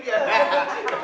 nhở